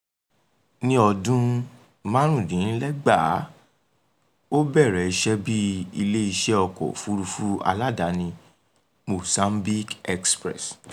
Ní 1995, ó bẹ̀rẹ̀ iṣẹ́ bíi ilé-iṣẹ́ ọkọ̀ òfuurufú aládàáni , Mozambique Express.